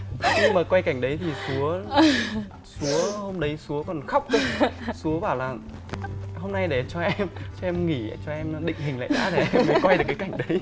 nhưng mà quay cảnh đấy thì súa súa hôm đấy súa còn khóc cơ súa bảo là hôm nay để cho em cho em nghỉ cho em định hình lại đã rồi em mới quay được cái cảnh đấy